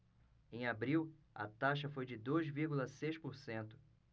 em abril a taxa foi de dois vírgula seis por cento